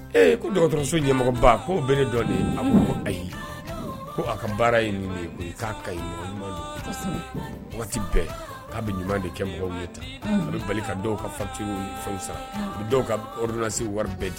Ee ko dɔgɔtɔrɔso ɲɛmɔgɔ ba ko bele dɔ de a ayi ye ko a ka baara ye nin ye o ye'a ka bɛɛ k'a bɛ ɲuman de kɛ mɔgɔw ye ta ani bɛ bali ka dɔw ka fa fɛn sara u bɛ dɔw kauna se wari bɛɛ di